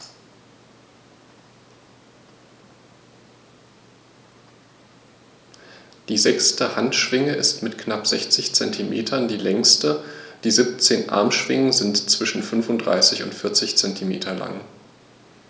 Die sechste Handschwinge ist mit knapp 60 cm die längste. Die 17 Armschwingen sind zwischen 35 und 40 cm lang.